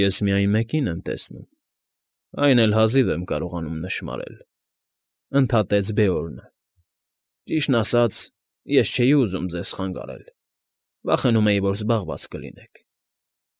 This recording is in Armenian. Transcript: Ես միայն մեկին եմ տեսնում, այն էլ հազիվ եմ կարողանում նշմարել,֊ ընդհատեց Բեորնը։ ֊ Ճիշտն ասած, ես չէի ուզում ձեզ խանգարել, վախենում էի, որ զբաղված կլինեք։